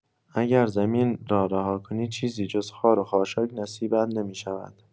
اگر زمین را رها کنی، چیزی جز خار و خاشاک نصیبت نمی‌شود.